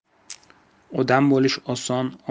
odam bo'lish oson